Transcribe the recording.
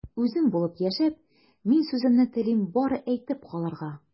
Үзем булып яшәп, мин сүземне телим бары әйтеп калырга...